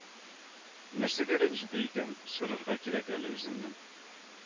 Нәрсәгә рәнҗеде икән, сорарга кирәк әле үзеннән